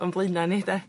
o'n flaena' ni 'de?